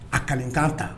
A kakan ta